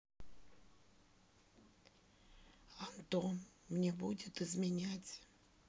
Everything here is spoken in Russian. антон мне будет изменять